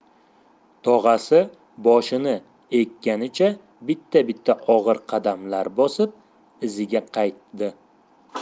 tog'asi boshini egganicha bitta bitta og'ir qadamlar bosib iziga qaytdi